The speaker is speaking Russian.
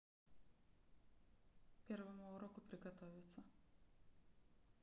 первому руку приготовиться